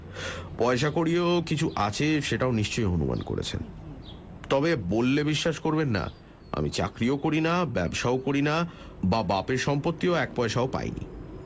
পয়সা কড়িও কিছু আছে সেটাও নিশ্চয়ই অনুমান করেছেন তবে বললে বিশ্বাস করবেন না আমি চাকরিও করি না ব্যবসাও করি না বা বাপের সম্পত্তিও এক পয়সাও পাইনি